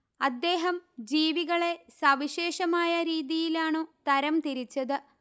അദ്ദേഹം ജീവികളെ സവിശേഷമായ രീതിയിലാണു തരം തിരിച്ചത്